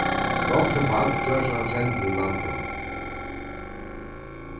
longu sum barn gjørdist hann kendur í landinum